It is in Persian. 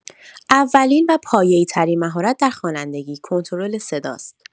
اولین و پایه‌ای‌ترین مهارت در خوانندگی، کنترل صداست.